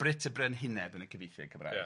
Brut y Brenhinedd yn y cyfieithiad Cymraeg... Ia...